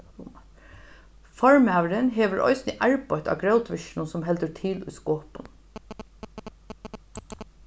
formaðurin hevur eisini arbeitt á grótvirkinum sum heldur til í skopun